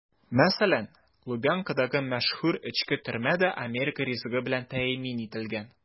Мәсәлән, Лубянкадагы мәшһүр эчке төрмә дә америка ризыгы белән тәэмин ителгән.